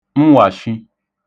mwàshi